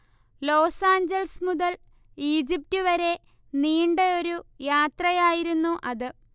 Los Angeles മുതൽ Egypt വരെ നീണ്ടയൊരു യാത്രയായിരുന്നു അത്